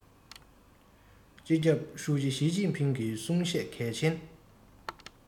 སྤྱི ཁྱབ ཧྲུའུ ཅི ཞིས ཅིན ཕིང གི གསུང བཤད གལ ཆེན